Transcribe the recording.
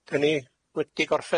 Deni wedi gorffen